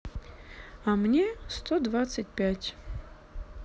а мне сто двадцать пять